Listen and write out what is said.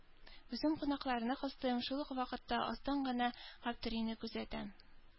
Үзем кунакларны кыстыйм, шул ук вакытта астан гына Гаптерине күзәтәм.